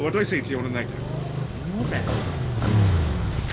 What do I say to you on a night out? When you're ready so am I.